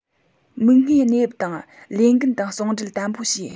མིག སྔའི གནས བབས དང ལས འགན དང ཟུང འབྲེལ དམ པོ བྱས